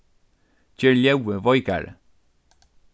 ger ljóðið veikari